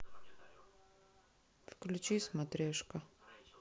включи смотрешка